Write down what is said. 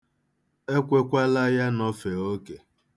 Ekwekwala ya nọfee oke.